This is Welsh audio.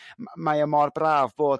m-mae o mor braf bod